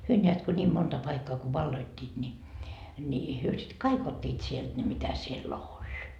he näet kun niin monta paikkaa kun valloittivat niin niin he sitten kaikki ottivat sieltä ne mitä siellä oli